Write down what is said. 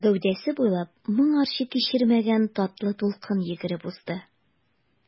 Гәүдәсе буйлап моңарчы кичермәгән татлы дулкын йөгереп узды.